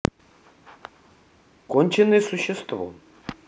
конченое существо